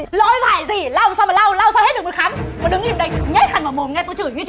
lỗi vại gì lau làm sao mà lau lau sao hết được mùi khắm cô đứng yên đấy nhét khăn vào mồm nghe tôi chửi nghe chưa